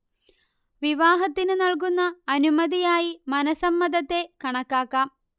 വിവാഹത്തിന് നൽകുന്ന അനുമതിയായി മനഃസമ്മതത്തെ കണക്കാക്കാം